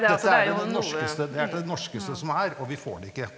dette er det norskeste det er det norskeste som er og vi får det ikke.